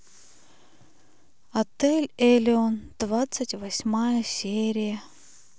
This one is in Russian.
отель элеон двадцать восьмая серия